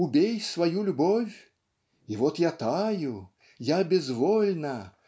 убей свою любовь!- И вот я таю я безвольна